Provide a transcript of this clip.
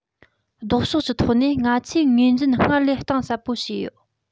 ལྡོག ཕྱོགས ཀྱི ཐོག ནས ང ཚོས ངོས འཛིན སྔར ལས གཏིང ཟབ པོ བྱས ཡོད